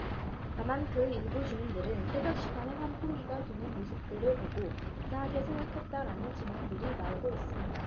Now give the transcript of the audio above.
다만 그 일부 주민들은 새벽 시간에 환풍기가 도는 모습들을 보고 이상하게 생각했다라는 증언들이 나오고 있습니다